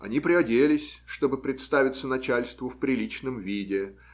Они приоделись, чтобы представиться начальству в приличном виде.